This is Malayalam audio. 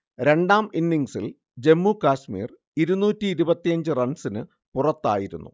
രണ്ടാം ഇന്നിങ്സിൽ ജമ്മു കശ്മീർ ഇരുന്നൂറ്റി ഇരുപത്തിയഞ്ച് റൺസിന് പുറത്തായിരുന്നു